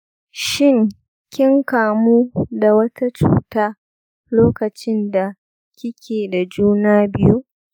shin kin kamu da wata cuta lokacin da kike da juna biyu?